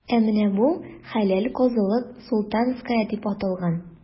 Ә менә бу – хәләл казылык,“Султанская” дип аталган.